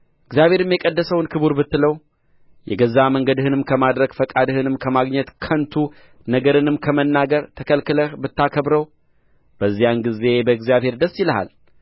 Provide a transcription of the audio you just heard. እግዚአብሔርም የቀደሰውን ክቡር ብትለው የገዛ መንገድህንም ከማድረግ ፈቃድህንም ከማግኘት ከንቱ ነገርንም ከመናገር ተከልክለህ ብታከብረው በዚያን ጊዜ በእግዚአብሔር ደስ ይልሃል